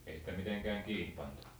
ei sitä mitenkään kiinni pantu